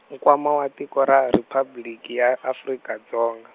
Nkwama wa Tiko ra Riphabliki ya Afrika Dzonga.